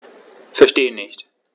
Verstehe nicht.